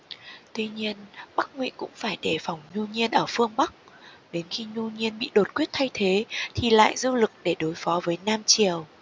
tuy nhiên bắc ngụy cũng phải đề phòng nhu nhiên ở phương bắc đến khi nhu nhiên bị đột quyết thay thế thì lại dư lực để đối phó với nam triều